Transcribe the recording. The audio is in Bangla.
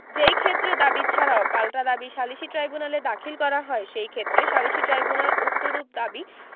যেইক্ষেত্রে দাবী ছাড়াও পাল্টা দাবী সালিসী ট্রাইব্যুনালে দাখিল করা হয় সেইক্ষেত্রে সালিসী ট্রাইব্যুনাল উক্তরূপ দাবী